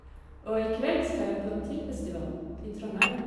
Og i kveld skal jeg på en til festival, i Trondheim.